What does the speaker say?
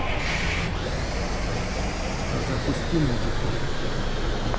а запусти музыку